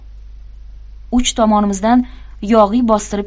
uch tomonimizdan yog'iy bostirib